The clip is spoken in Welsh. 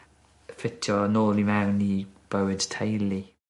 ffitio yn ôl i mewn i bywyd teulu.